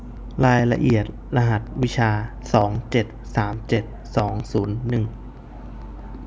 รายละเอียดรหัสวิชาสองเจ็ดสามเจ็ดสองศูนย์หนึ่ง